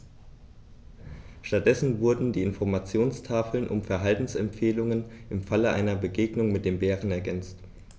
Stattdessen wurden die Informationstafeln um Verhaltensempfehlungen im Falle einer Begegnung mit dem Bären ergänzt.